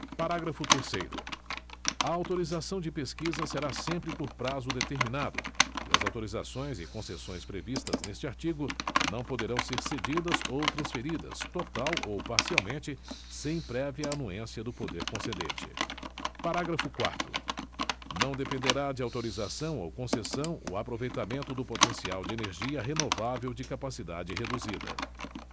parágrafo terceiro a autorização de pesquisa será sempre por prazo determinado e as autorizações e concessões previstas neste artigo não poderão ser cedidas ou transferidas total ou parcialmente sem prévia anuência do poder concedente parágrafo quarto não dependerá de autorização ou concessão o aproveitamento do potencial de energia renovável de capacidade reduzida